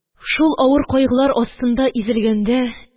Шул авыр кайгылар астында изелгәнд